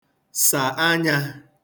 sà anyā